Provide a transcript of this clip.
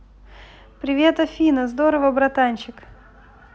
привет афина здорово братанчик